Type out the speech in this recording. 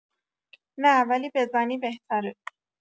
نه ولی بزنی بهتره